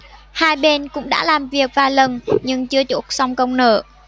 hai bên cũng đã làm việc vài lần nhưng chưa chốt xong công nợ